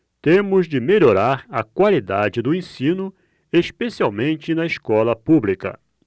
temos de melhorar a qualidade do ensino especialmente na escola pública